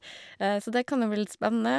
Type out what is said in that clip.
Så det kan jo bli litt spennende.